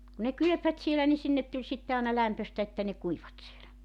kun ne kylpivät siellä niin sinne tuli sitten aina lämpöistä että ne kuivuivat siellä